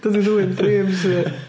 Dod i ddwyn dreams fi.